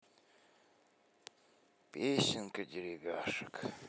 песенка деревяшек